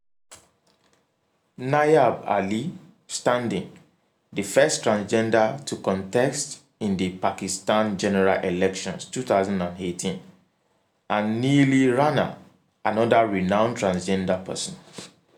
Nayaab Ali (standing), the first transgender to contest in the Pakistan general elections 2018, and Neeli Rana, another renowned transgender person.